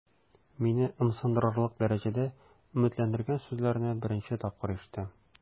Мине ымсындырырлык дәрәҗәдә өметләндергән сүзләрне беренче тапкыр ишетәм.